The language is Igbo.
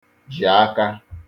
jì aka